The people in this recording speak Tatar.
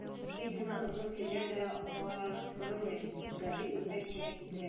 Мин сезне озын сөйләм белән ардырмыйм, гади үрнәк кенә китерәм.